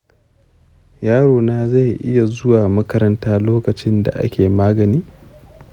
yaro na zai iya zuwa makaranta lokacin da ake magani?